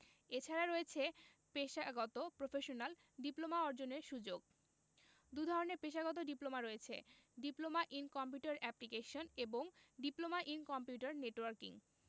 এছাড়া রয়েছে পেশাগত প্রফেশনাল ডিপ্লোমা অর্জনের সুযোগ দুধরনের পেশাগত ডিপ্লোমা রয়েছে ডিপ্লোমা ইন কম্পিউটার অ্যাপ্লিকেশন এবং ডিপ্লোমা ইন কম্পিউটার নেটওয়ার্কিং